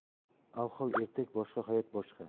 alhol ertak boshqa hayot boshqa